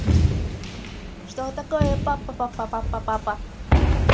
что такое папа папа папа папа